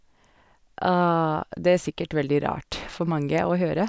Det er sikkert veldig rart for mange å høre.